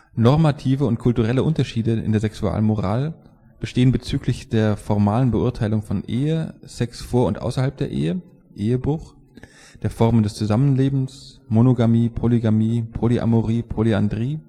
Normative und kulturelle Unterschiede in der Sexualmoral bestehen bezüglich der formalen Beurteilung von Ehe, Sex vor und außerhalb der Ehe (Ehebruch), der Formen des Zusammenlebens (Monogamie, Polygamie, Polyamorie, Polyandrie